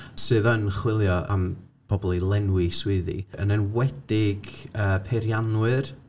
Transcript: sydd yn chwilio am bobl i lenwi swyddi, yn enwedig yy peiriannwyr.